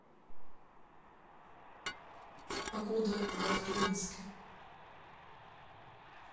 погода в ахтубинске